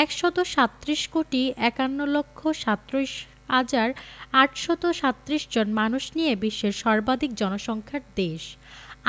১৩৭ কোটি ৫১ লক্ষ ৩৭ হাজার ৮৩৭ জন মানুষ নিয়ে বিশ্বের সর্বাধিক জনসংখ্যার দেশ